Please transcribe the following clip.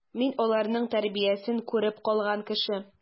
Мин аларның тәрбиясен күреп калган кеше.